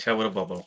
Llawer o bobl.